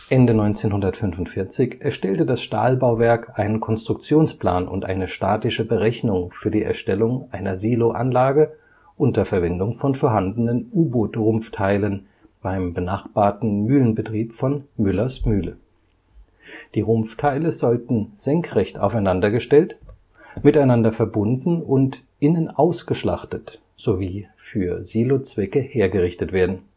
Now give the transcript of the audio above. Ende 1945 erstellte das Stahlbauwerk einen Konstruktionsplan und eine statische Berechnung für die Erstellung einer Siloanlage unter Verwendung von vorhandenen U-Boot-Rumpfteilen beim benachbarten Mühlenbetrieb von Müller’ s Mühle. Die Rumpfteile sollten senkrecht aufeinander gestellt, miteinander verbunden und innen ausgeschlachtet sowie für Silozwecke hergerichtet werden